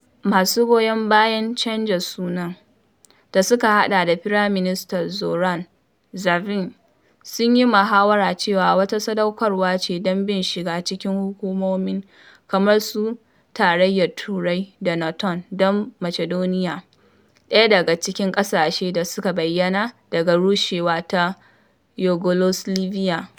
Masu goyon bayan canza sunan, da suka haɗa da Firaminista Zoran Zaev, sun yi mahawara cewa wata sadaukarwa ce don bin shiga cikin hukumomin kamar su Tarayyar Turai da NATO don Macedonia, ɗaya daga cikin ƙasashe da suka bayyana daga rushewa ta Yugoslavia.